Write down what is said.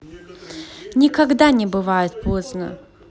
никогда не бывает поздно